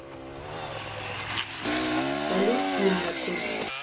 салют инна ты